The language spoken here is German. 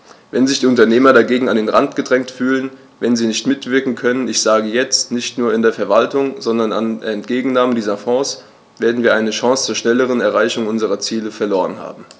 Wenn sich die Unternehmer dagegen an den Rand gedrängt fühlen, wenn sie nicht mitwirken können ich sage jetzt, nicht nur an der Verwaltung, sondern an der Entgegennahme dieser Fonds , werden wir eine Chance zur schnelleren Erreichung unserer Ziele verloren haben.